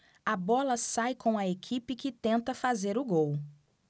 a bola sai com a equipe que tenta fazer o gol